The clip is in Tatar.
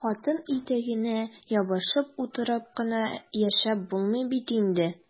Хатын итәгенә ябышып утырып кына яшәп булмый бит инде!